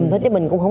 chứ mình không có đưa